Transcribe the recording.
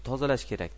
tozalash kerak